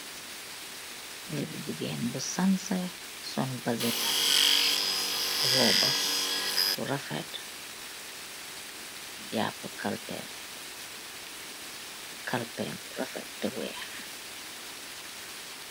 Haleh bu jegain bu sanseh sul bazin nan roba bu refet japu kalpem, kalpe bu refet teh weeh.